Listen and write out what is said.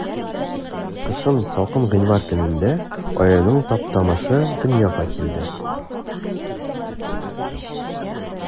Кышын, салкын гыйнвар көнендә, аюның Таптамышы дөньяга килде.